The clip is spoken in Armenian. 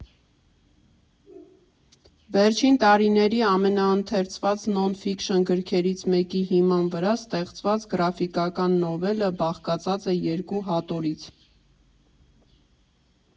Վերջին տարիների ամենաընթերցված նոն֊ֆիքշն գրքրերից մեկի հիման վրա ստեղծված գրաֆիկական նովելը բաղկացած է երկու հատորից։